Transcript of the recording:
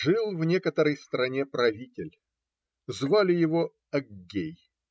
Жил в некоторой стране правитель; звали его Аггей.